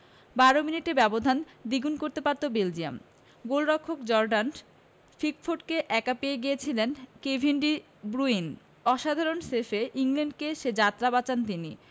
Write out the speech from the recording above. ১২ মিনিটে ব্যবধান দ্বিগুণ করতে পারত বেলজিয়াম গোলরক্ষক জর্ডান পিকফোর্ডকে একা পেয়ে গিয়েছিলেন কেভিন ডি ব্রুইন অসাধারণ সেভে ইংল্যান্ডকে সে যাত্রা বাঁচান তিনি